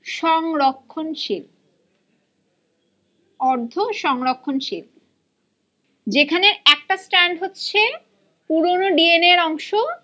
সংরক্ষনশীল অর্ধসংরক্ষনশিল যেখানে একটা স্ট্র্যান্ড হচ্ছে পুরোনো ডিএন এর অংশ